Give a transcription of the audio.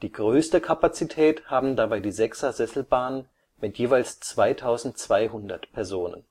größte Kapazität haben dabei die 6er Sesselbahnen mit jeweils 2200 Personen